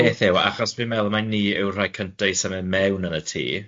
A'r peth yw, achos fi'n meddwl mai ni yw'r rhai cynta i symud mewn yn y tŷ,